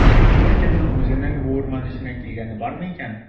Пушкинның үзенең бу урман эченә килгәне бармы икән?